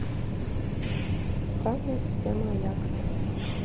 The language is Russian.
странная система аякс